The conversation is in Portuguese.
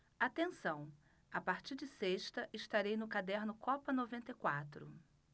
atenção a partir de sexta estarei no caderno copa noventa e quatro